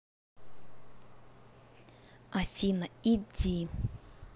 афина иди